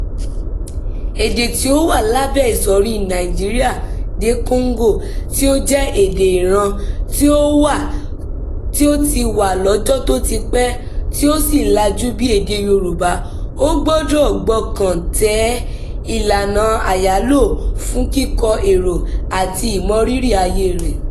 Èdè tí ó wà lábẹ́ ìsọ̀rí Niger-Congo tí ó jẹ́ èdè ìran tí ó ti wà lọ́jọ́ tó ti pẹ́ tí ó sì lajú bí èdè Yorùbá ò gbọdọ̀ gbọ́kàn tẹ ìlànà àyálò fún kíkọ èrò àti ìmọ̀ ìrírí ayé rẹ̀.